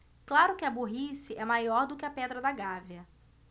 claro que a burrice é maior do que a pedra da gávea